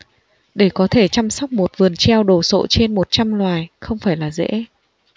để có thể chăm sóc một vườn treo đồ sộ trên một trăm loài không phải là dễ